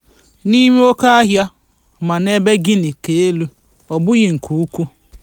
N'ime oke ọhịa ma n'ebe Guinea Ka Elu, ọ bughị nke ukwuu.